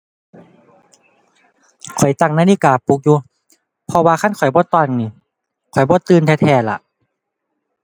ข้อยตั้งนาฬิกาปลุกอยู่ เพราะว่าคันข้อยบ่ตั้งนี่ข้อยบ่ตื่นแท้แท้ล่ะ